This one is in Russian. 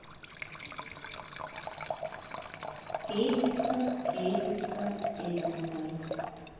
эдисон эдисон эдисон